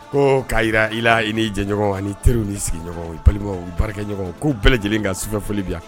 Ko k'a yira i la i ni jɛɲɔgɔnw an'i teriw n'i sigiɲɔgɔnw balimaw baarakɛɲɔgɔnw k'u bɛɛ lajɛlen ka sufɛ foli be yan